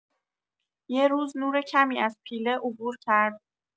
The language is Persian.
یه روز نور کمی از پیله عبور کرد.